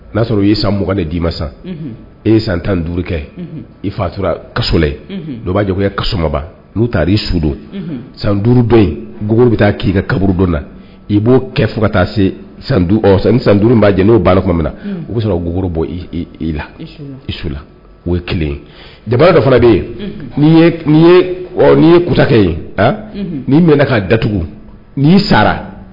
N y'a sɔrɔ i ye san m de d'i ma san e ye san tan duuru kɛ i fa kasolɛ dɔ b'a jɔba n'u taara i sudo san duuru dɔ yen g bɛ taa k'i ka kaburu dɔ la i b'o kɛ fo ka taa se san san ni san duuru b'a jɛ n'o ba tuma min na u ka sɔrɔ ggoro bɔ' la i su o ye kelen ja dɔ fana bɛ yen n'i ye ku ye n'i mɛn ka datugu n'i sara